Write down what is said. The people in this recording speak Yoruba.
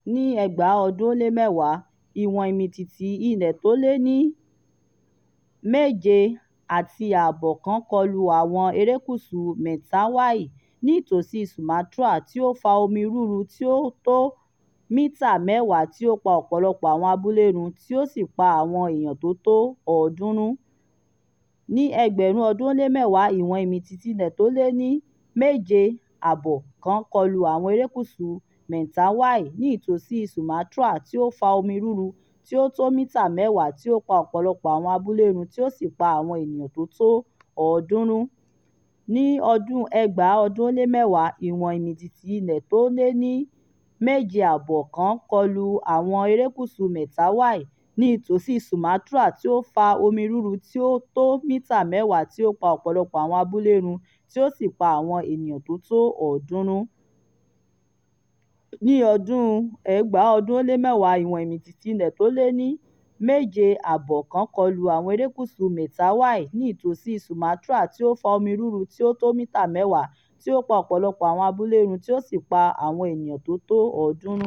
Ọdún 2010: Ìwọ̀n ìmìtìtì ilẹ̀ tó lé ní 7.5 kan kọlu àwọn erékùsú Mentawai, ní ìtòsí Sumatra, tí ó fa omi rúrú tí ó tó mítà 10 tí ò pa ọ̀pọ̀lọpọ̀ àwọn abúlé run ti ó sì pa àwọn ènìyàn tó tó 300.